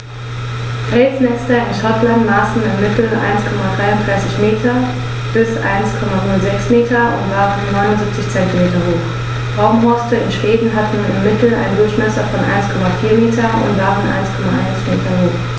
Felsnester in Schottland maßen im Mittel 1,33 m x 1,06 m und waren 0,79 m hoch, Baumhorste in Schweden hatten im Mittel einen Durchmesser von 1,4 m und waren 1,1 m hoch.